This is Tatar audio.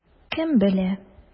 Кем белә?